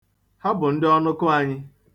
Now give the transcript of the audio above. Ha bụ ndị ọnụkụ anyị